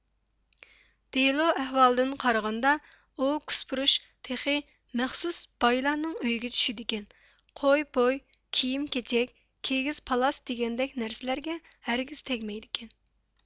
دېلو ئەھۋالىدىن قارىغاندا ئۇ كۇسپۇرۇچ تېخى مەخسۇس بايلارنىڭ ئۆيىگە چۈشىدىكەن قوي پوي كىيىم كېچەك كىگىز پالاس دېگەندەك نەرسىلەرگە ھەرگىز تەگمەيدىكەن